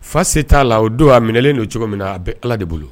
Fa se t'a la o don a minɛlen don cogo min na a bɛ ala de bolo